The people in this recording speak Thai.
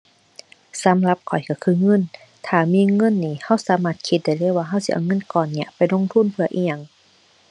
สำหรับข้อยก็คือเงิน ถ้ามีเงินนี่ก็สามารถคิดได้เลยว่า ก็สิเอาเงินก้อนเนี้ยไปลงทุนเพื่ออิหยัง